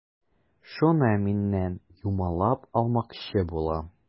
Шуны миннән юмалап алмакчы була.